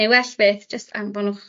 neu well fyth jyst anfonwch